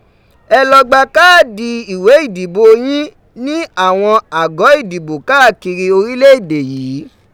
Ẹ lọ gba káàdì ìwé ìdìbo yí ní àwọn àgọ́ ìdìbò káàkiri orílẹ̀ èdè yìí.